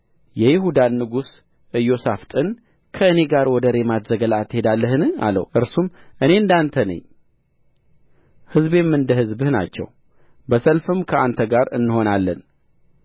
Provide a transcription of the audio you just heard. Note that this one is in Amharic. የይሁዳን ንጉሥ ኢዮሣፍጥን ከእኔ ጋር ወደ ሬማት ዘገለዓድ ትሄዳለህን አለው እርሱም እኔ እንደ አንተ ነኝ ሕዝቤም እንደ ሕዝብህ ናቸው በሰልፍም ከአንተ ጋር እንሆናለን